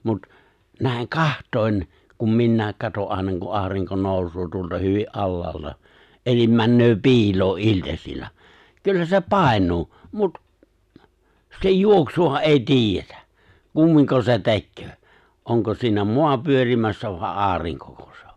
mutta näin katsoen kun minäkin katson aina kun aurinko nousee tuolta hyvin alhaalta eli menee piiloon iltasilla kyllä se painuu mutta sen juoksuahan ei tiedetä kummin se tekee onko siinä maa pyörimässä vai aurinkoko se on